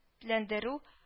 Ләндерү